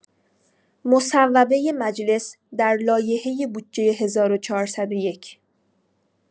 مصوبه مجلس در لایحه بودجه ۱۴۰۱